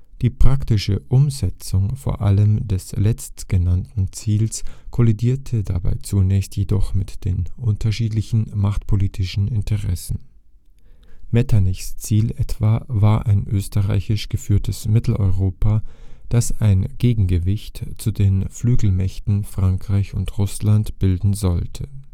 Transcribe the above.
Die praktische Umsetzung vor allem des letztgenannten Ziels kollidierte dabei zunächst jedoch mit den unterschiedlichen machtpolitischen Interessen. Metternichs Ziel etwa war ein österreichisch geführtes Mitteleuropa, das ein Gegengewicht zu den Flügelmächten Frankreich und Russland bilden sollte